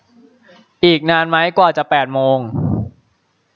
อีกนานไหมกว่าจะแปดโมง